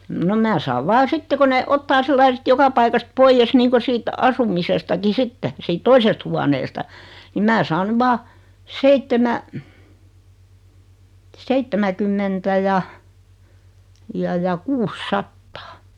no minä saan vain sitten kun ne ottaa sillä lailla sitten joka paikasta pois niin kuin siitä asumisestakin sitten siitä toisesta huoneesta niin minä saan nyt vain - seitsemänkymmentä ja ja ja kuusisataa